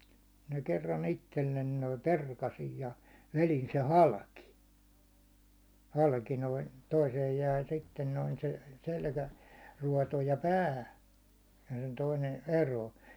minä kerran itselle noin perkasin ja vedin sen halki halki noin toiseen jäi sitten noin se selkäruoto ja pää ja sen toinen eroon